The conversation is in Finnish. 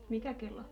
mikä kello